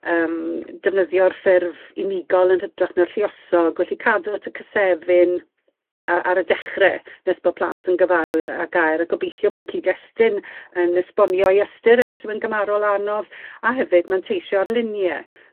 yym defnyddio'r ffurf unigol yn hytrach na'r lluosog, felly cadw at y cysefin a- ar y dechre nes bod plant yn gyfarwydd â gair, a gobeithio bod y cyd-destun yn esbonio ii ystyr e os yw yn gymarol anodd a hefyd manteisio ar lunie.